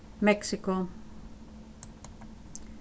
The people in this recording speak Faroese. meksiko